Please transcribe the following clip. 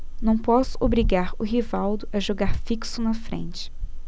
não posso obrigar o rivaldo a jogar fixo na frente